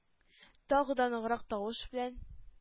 Тагы да ныграк тавыш белән: